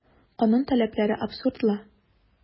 Канун таләпләре абсурдлы.